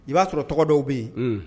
I b'a sɔrɔ tɔgɔ dɔw bɛ yen